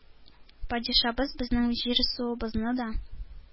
— падишабыз безнең җир-суыбызны да,